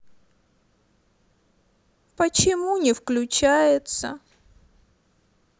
почему не включается